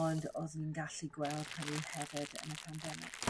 ond o'dd ni'n gallu gweld hynny hefyd yn y pandemic.